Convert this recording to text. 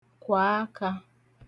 kwà akā